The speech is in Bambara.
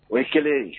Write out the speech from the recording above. O kelen